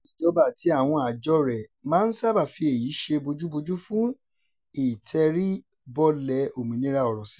Ìjọba àti àwọn àjọ rẹ̀ máa ń sábà fi èyí ṣe bójúbójú fún ìtẹríbọlẹ̀ òmìnira ọ̀rọ̀ sísọ.